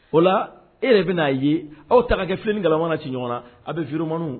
O la e yɛrɛ bɛna n'a ye aw ta kɛ filen ni galama mana ci ɲɔgɔn na a' be vidéo man w